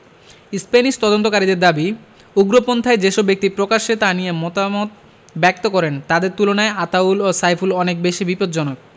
Spanish তদন্তকারীদের দাবি উগ্রপন্থায় যেসব ব্যক্তি প্রকাশ্যে তা নিয়ে মতামত ব্যক্ত করেন তাদের তুলনায় আতাউল ও সাইফুল অনেক বেশি বিপজ্জনক